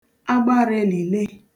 agbarāelìle